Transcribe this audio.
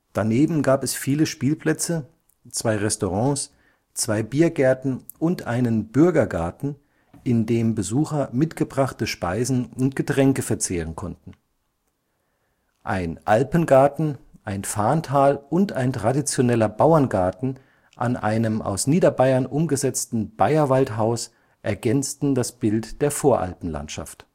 Daneben gab es viele Spielplätze, zwei Restaurants, zwei Biergärten und einen Bürgergarten, in dem Besucher mitgebrachte Speisen und Getränke verzehren konnten. Ein Alpengarten, ein Farntal und ein traditioneller Bauerngarten an einem aus Niederbayern umgesetzten Bayerwaldhaus ergänzten das Bild der Voralpenlandschaft